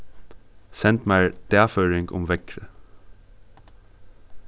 send mær dagføring um veðrið